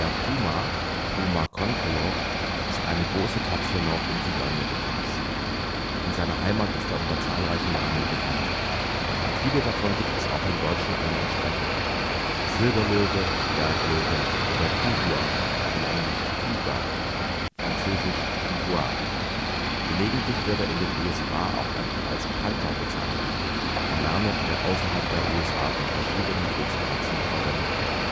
Puma (Puma concolor) ist eine große Katze Nord - und Südamerikas. In seiner Heimat ist er unter zahlreichen Namen bekannt; für viele davon gibt es auch im Deutschen eine Entsprechung: Silberlöwe, Berglöwe oder Kuguar (von engl. cougar, frz. couguar). Gelegentlich wird er in den USA auch einfach als „ Panther “bezeichnet; ein Name, der außerhalb der USA für verschiedene große Katzen verwendet wird